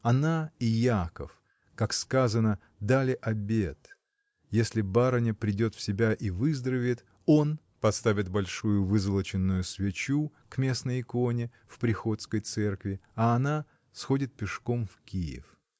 Она и Яков, как сказано, дали обет, если барыня придет в себя и выздоровеет, он — поставить большую вызолоченную свечу к местной иконе в приходской церкви, а она — сходить пешком в Киев.